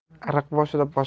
ariq boshida boshqa